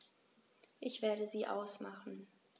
Ich werde sie ausmachen.